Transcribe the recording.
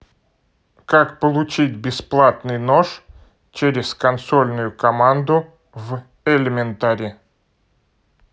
как получить бесплатный нож через консольную команду в elementary